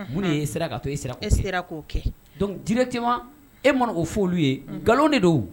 U e sera ka to e e sera k'o kɛ dɔnkuc di tema e ma o fɔ olu ye nkalon de do